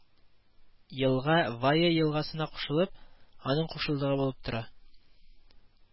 Елга Вая елгасына кушылып, аның кушылдыгы булып тора